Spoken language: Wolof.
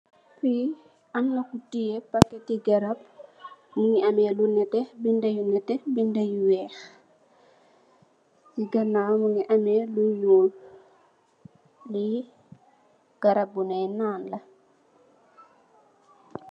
Am na ku tai parket ti garap mu nge am lu nette ak bideh yu weyh ak si ganow mu nge ameh lu nul garap bu nui nanla